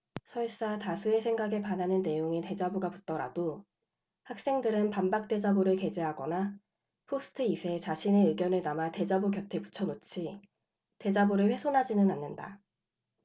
설사 다수의 생각에 반하는 내용의 대자보가 붙더라도 학생들은 반박 대자보를 게재하거나 포스트잇에 자신의 의견을 담아 대자보 곁에 붙여놓지 대자보를 훼손하지는 않는다